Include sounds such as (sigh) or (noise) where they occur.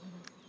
(hesitation) (hesitation)